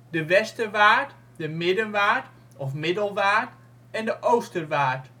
de Westerwaard, de Middenwaard (of Middelwaard) en de Oosterwaard